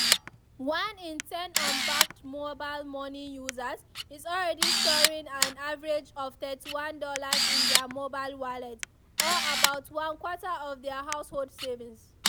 One in ten unbanked mobile money users is already storing an average of $31 in their mobile wallet, or about one-quarter of their household savings.